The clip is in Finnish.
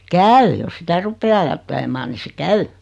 käy jos sitä rupeaa ajattelemaan niin se käy